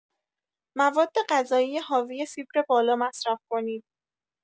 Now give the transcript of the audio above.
موادغذایی حاوی فیبر بالا مصرف کنید.